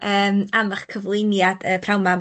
###yym am 'ych cyflwyniad yy pnawn 'ma.